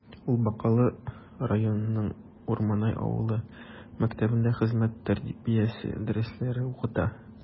Ул Бакалы районының Урманай авылы мәктәбендә хезмәт тәрбиясе дәресләре укыта.